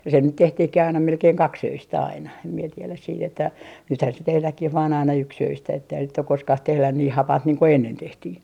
se nyt tehtiinkin aina melkein kaksiöistä aina en minä tiedä sitten että nythän se tehdäänkin vain aina yksiöistä että eihän sitten ole koskaan tehty niin hapanta niin kuin ennen tehtiin